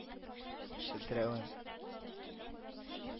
Челтерәвен